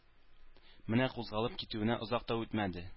Менә кузгалып китүенә озак та үтмәде